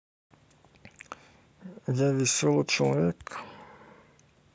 я веселый человек